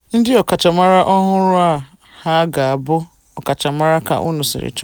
Ndị ọkachamara ọhụrụ a ha ga-abụ ọkachamara ka unu siri chọ?